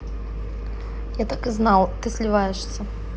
я так и знал ты сливаешься